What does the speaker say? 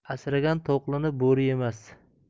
asragan to'qlini bo'ri yemas